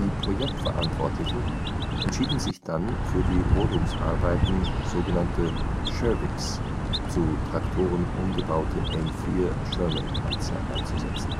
Projektverantwortlichen entschieden sich dann, für die Rodungsarbeiten sog. Shervicks (zu Traktoren umgebaute M4 Sherman-Panzer) einzusetzen